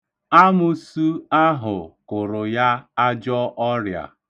Amoosu ahụ kụrụ ya ajọ ọrịa.